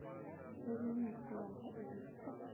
elning qulog'i ellikta